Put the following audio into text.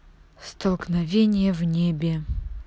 столкновение в небе